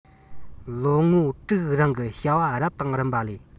ལོ ངོ དྲུག རིང གི བྱ བ རབས དང རིམ པ ལས